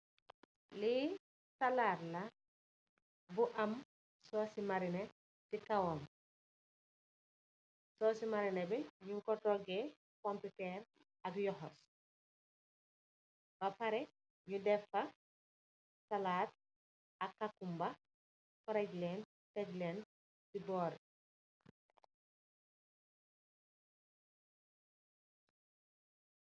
Lii amb pallat bou am surces marrineh mougui am pompitir ak kacomba